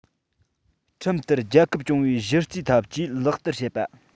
ཁྲིམས ལྟར རྒྱལ ཁབ སྐྱོང བའི གཞི རྩའི ཐབས ཇུས ལག བསྟར བྱེད པ